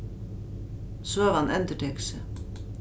søgan endurtekur seg